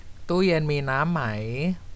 ตู้เย็นมีน้ำไหม